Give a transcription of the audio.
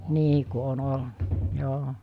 niin kuin on ollut joo